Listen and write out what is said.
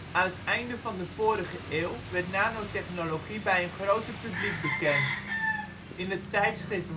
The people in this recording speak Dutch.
Aan het einde van de vorige eeuw werd nanotechnologie bij een groter publiek bekend. In het tijdschrift